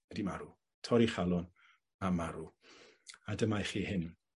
ydi marw. Torri chalon, a marw. A dyma i chi hyn.